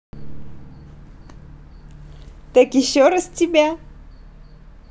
так еще раз тебя